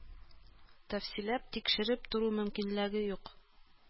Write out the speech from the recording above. Тәфсилләп тикшереп тору мөмкинлеге юк